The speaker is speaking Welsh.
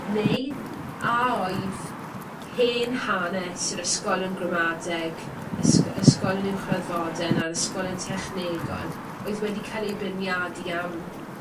Neu a oedd hen hanes yr ysgolion gramadeg, ysg- ysgolion uwchradd fodern a'r ysgolion technegol oedd wedi ca'l eu beirniadu am